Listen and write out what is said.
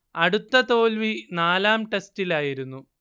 അടുത്ത തോൽവി നാലാം ടെസ്റ്റിലായിരുന്നു